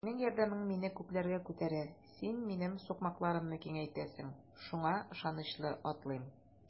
Синең ярдәмең мине күкләргә күтәрә, син минем сукмакларымны киңәйтәсең, шуңа ышанычлы атлыйм.